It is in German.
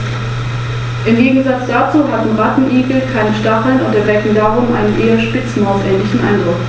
In seiner östlichen Hälfte mischte sich dieser Einfluss mit griechisch-hellenistischen und orientalischen Elementen.